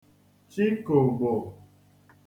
chikògbò